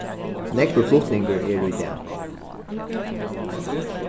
nógvur flutningur er í dag